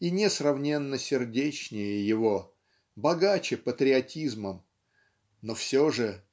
и несравненно сердечнее его богаче патриотизмом но все же